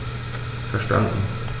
Verstanden.